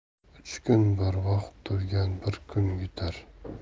uch kun barvaqt turgan bir kun yutar